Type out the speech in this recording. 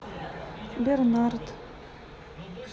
бернард